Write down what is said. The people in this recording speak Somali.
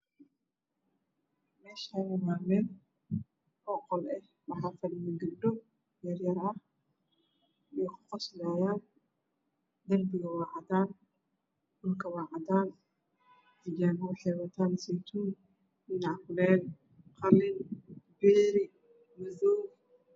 Mehanii waa meel qol eh waxaa fadhiya gabdho yaryar ah way qoslayaan derbiga waa cadan dhulka waa cadan xijabo wexeey watan seytuuni nanac kuleel qalin beeri madoow